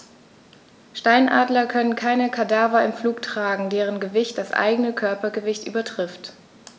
Steinadler können keine Kadaver im Flug tragen, deren Gewicht das eigene Körpergewicht übertrifft.